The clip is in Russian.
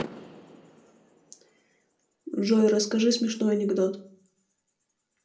джой расскажи смешной анекдот